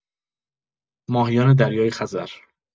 ماهیان دریای‌خزر